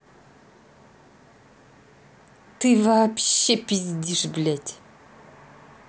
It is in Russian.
ты вообще пиздишь блядь